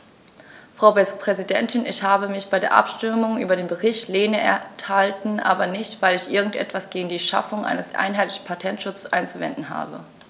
Frau Präsidentin, ich habe mich bei der Abstimmung über den Bericht Lehne enthalten, aber nicht, weil ich irgend etwas gegen die Schaffung eines einheitlichen Patentschutzes einzuwenden habe.